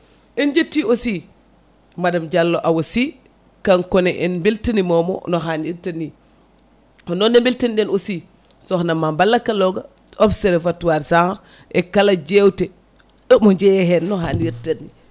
en jetti aussi Madame Awo Sy kankone e beltanimomo no hannirta ni noonne beltaniɗen aussi sokhna Mame Balla Kallogua observatoire genre e kala jewte omo jeeye hen no hannirta ni